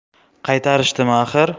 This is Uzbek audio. qaytarishdimi axir